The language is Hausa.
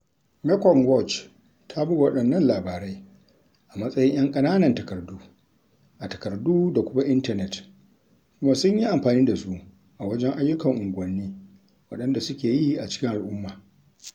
Mekong Watch ta buga waɗannan labarai a matsayin 'yan ƙananan takardu a takardu da kuma intanet, kuma sun yi amfani da su a wajen ayyukan unguwanni waɗanda suke yi a cikin al'umma.